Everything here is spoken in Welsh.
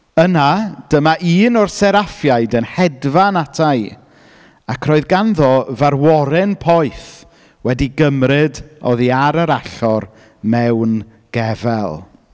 Yna, dyma un o'r seraffiaid yn hedfan ata i ac roedd ganddo farworen poeth wedi gymryd oddi ar yr allor mewn gefel.